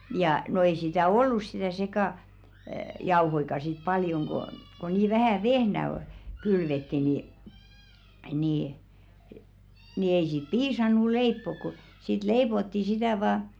ja no ei sitä ollut sitä - sekajauhojakaan sitten paljon kun kun niin vähän vehnää oli kylvettiin niin niin niin ei siinä piisannut leipoa kun siitä leivottiin sitä vain